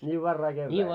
niin varhain keväällä